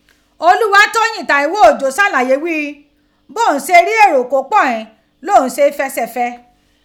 Olúwatóyìn Táíwò Òjó ṣàlàyé ghi i bí òún ṣe rí èrò kó pọ̀ ghin lòún ṣe fẹsẹ̀fẹ.